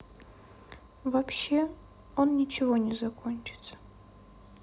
вообще он ничего не закончится